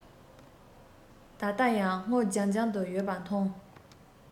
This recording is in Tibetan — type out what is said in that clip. ད ལྟ ཡང སྔོ ལྗང ལྗང དུ ཡོད པ མཐོང